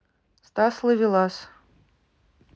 стас ловелас